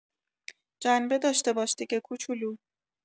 جنبه داشته باش دیگه کوچولو